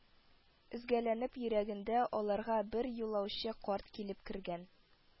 Өзгәләнеп йөргәндә, аларга бер юлаучы карт килеп кергән